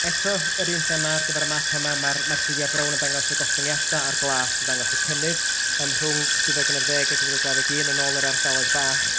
Eto, yr un thema ar gyfer y map yma, ma'r ma' lliwiau brown yn dangos y gostyngiadau a'r glas yn dangos y cynnydd yym rhwng dwy fil ac un ar ddeg a dwy fil a dau ddeg un yn ôl yr ardaloedd bach.